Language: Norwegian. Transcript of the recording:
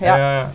ja ja.